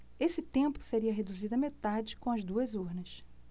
esse tempo seria reduzido à metade com as duas urnas